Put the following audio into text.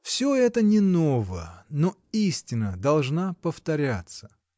— Всё это не ново: но истина должна повторяться.